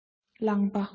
རླངས པ